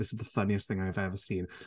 This is the funniest thing I have ever seen.